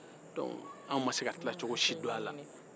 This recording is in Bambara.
an ma se ka tilacogo si dɔn a l a